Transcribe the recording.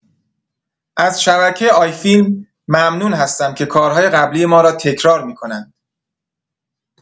از شبکه آی‌فیلم ممنون هستم که کارهای قبلی ما را تکرار می‌کنند.